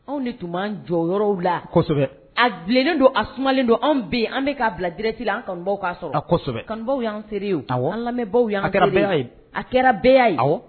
Anw de tun b'an jɔ yɔrɔw la, kosɛbɛ a bilen don, sumalen don, anw bɛ yen, an bɛ ka bila direct la an kanubaw ka sɔrɔ, kanubaw y'an sere ye, awɔ, an lamɛnbaaw y'an sere ye o, awɔ, a kɛra bɛɛ y'a ye, a kɛra bɛɛ ye.